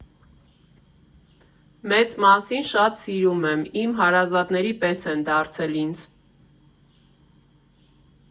Մեծ մասին շատ սիրում եմ, իմ հարազատների պես են դարձել ինձ։